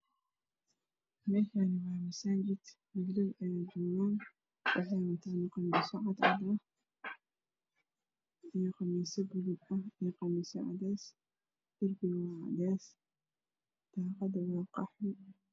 Meshani waa masajid wiilal ayaa wexey watan qamisya baluuga ah iyo qamiisyao cadees ah derbiga waa cadees daqadana waa qaxwi